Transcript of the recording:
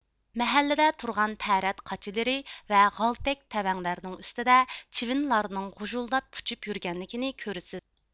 مەھەللىدە تۇرغان تەرەت قاچىلىرى ۋە غالتەك تەۋەڭلەرنىڭ ئۈستىدە چىۋىنلارنىڭ غۇژۇلداپ ئۇچۇپ يۈرگەنلىكىنى كۆرىسىز